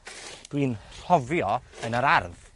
Dwi'n rhofio yn yr ardd.